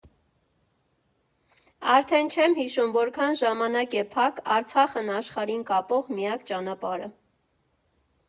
Արդեն չեմ հիշում՝ որքան ժամանակ է փակ Արցախն աշխարհին կապող միակ ճանապարհը։